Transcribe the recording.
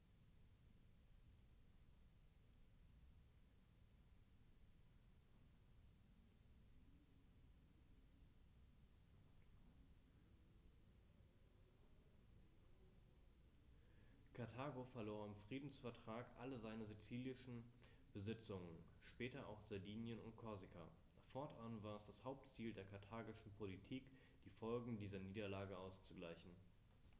Karthago verlor im Friedensvertrag alle seine sizilischen Besitzungen (später auch Sardinien und Korsika); fortan war es das Hauptziel der karthagischen Politik, die Folgen dieser Niederlage auszugleichen.